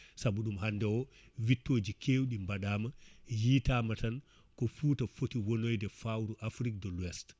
saabu ɗum hande o wittoji kewɗi mbaɗama yitama tan ko Fouta foti wonoyde fawru Afrique de l' Ouest